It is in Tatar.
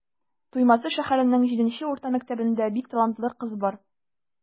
Туймазы шәһәренең 7 нче урта мәктәбендә бик талантлы кыз бар.